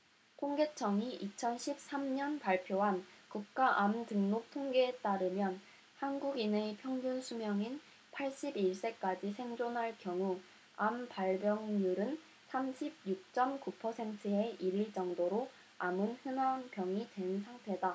통계청이 이천 십 삼 년 발표한 국가암등록통계에 따르면 한국인의 평균수명인 팔십 일 세까지 생존할 경우 암발병률은 삼십 육 쩜 구 퍼센트에 이를 정도로 암은 흔한 병이 된 상태다